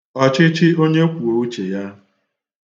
ọ̀chịchịonyekwùouchèya